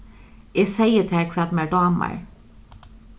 eg segði tær hvat mær dámar